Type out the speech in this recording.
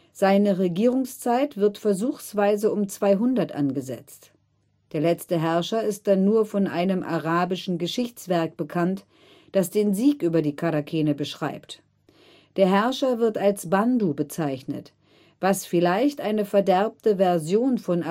Seine Regierungszeit wird versuchsweise um 200 angesetzt. Der letzte Herrscher ist dann nur von einem arabischen Geschichtswerk bekannt, das den Sieg über die Charakene beschreibt. Der Herrscher wird als Bandu bezeichnet, was vielleicht eine verderbte Version von